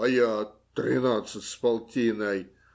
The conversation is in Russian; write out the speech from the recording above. - А я тринадцать с полтиной.